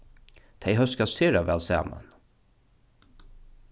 tey hóska sera væl saman